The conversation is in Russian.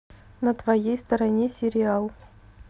на твоей стороне сериал